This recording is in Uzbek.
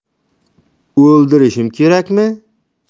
o'ldirishim kerakmi